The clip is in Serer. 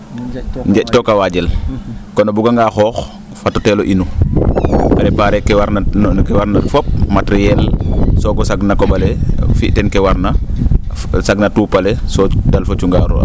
njee? took waajel kon o bugangaa xoox fat o teelo inu preparer no kee warna ret fop materiel soogo sag na ko? ale fi' teen kee warna sag na tuup ale soo dalfo cungaa a roog .